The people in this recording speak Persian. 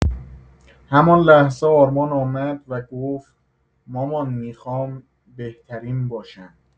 همان لحظه آرمان آمد و گفت مامان می‌خوام بهترین باشم.